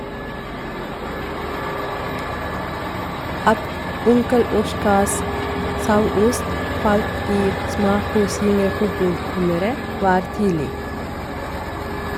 At "Onkel Oskars sauost" falt i smak hos yngre publikummere var tydelig.